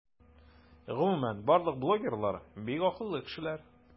Гомумән барлык блогерлар - бик акыллы кешеләр.